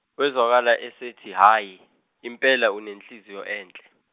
wezwakala esethi hhayi, impela unenhliziyo enhle.